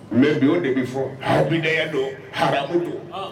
Mɛ ɲɔ o de bɛ fɔ hadaya don habu don